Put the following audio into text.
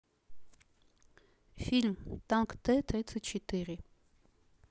фильм танк т тридцать четыре